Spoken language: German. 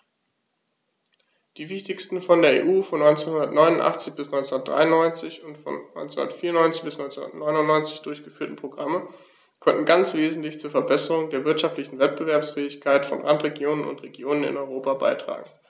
Die wichtigsten von der EU von 1989 bis 1993 und von 1994 bis 1999 durchgeführten Programme konnten ganz wesentlich zur Verbesserung der wirtschaftlichen Wettbewerbsfähigkeit von Randregionen und Regionen in Europa beitragen.